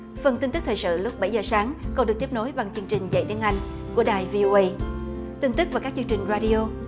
phần tin tức thời sự lúc bảy giờ sáng còn được tiếp nối bằng chương trình dạy tiếng anh của đài vi ô ây tin tức về các chương trình ra đi ô